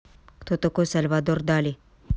кто такой сальвадор дали